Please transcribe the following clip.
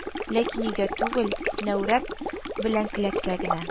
Ләкин өйгә түгел, нәүрәп белән келәткә генә